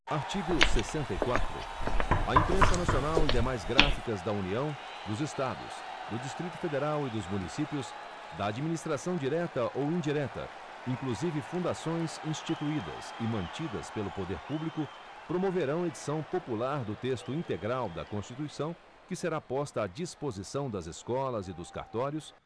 artigo sessenta e quatro a imprensa nacional e demais gráficas da união dos estados do distrito federal e dos municípios da administração direta ou indireta inclusive fundações instituídas e mantidas pelo poder público promoverão edição popular do texto integral da constituição que será posta à disposição das escolas e dos cartórios